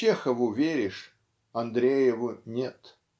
Чехову веришь, Андрееву - нет.